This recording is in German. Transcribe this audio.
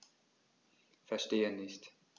Verstehe nicht.